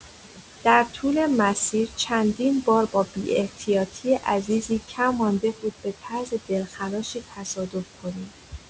در طول مسیر چندین بار با بی‌احتیاطی عزیزی کم مانده بود به طرز دلخراشی تصادف کنیم.